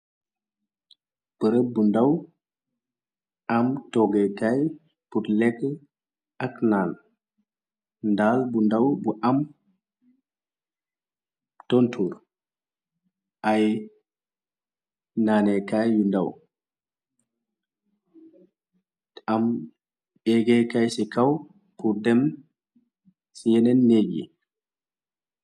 bereb bu ndaw am toggekaay pur leggl ak naan ndaal bu ndaw bu am tontur ay naanekaay yu ndaw am éggékaay ci kaw pur dém ci yeneen néet yi